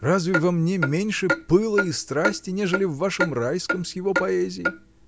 Разве во мне меньше пыла и страсти, нежели в вашем Райском, с его поэзией?